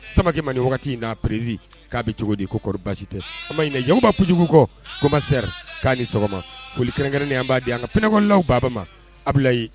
Samakɛ man ni wagati in n'a prezsi k'a bɛ cogo di koɔri basi tɛ an ininaymba kojugu kɔ koma sera k'a ni sɔgɔma foli kɛrɛnnen b'a di an ka pkɔlaw baba ma abiyi